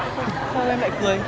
sao em lại cười